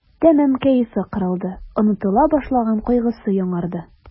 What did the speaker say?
Тәмам кәефе кырылды, онытыла башлаган кайгысы яңарды.